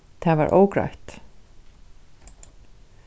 tað var ógreitt